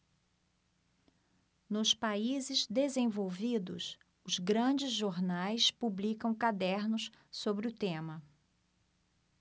nos países desenvolvidos os grandes jornais publicam cadernos sobre o tema